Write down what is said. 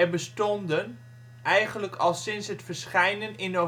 bestonden, eigenlijk al sinds het verschijnen in